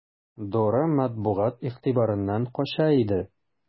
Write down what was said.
Дора матбугат игътибарыннан кача иде.